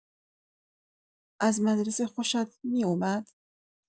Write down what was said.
از مدرسه خوشت می‌اومد؟